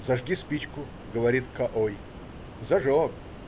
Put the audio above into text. "Зажги спичку",- говорит К-ой. Зажег.